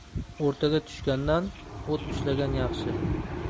o'rtaga tushgandan o't ushlagan yaxshi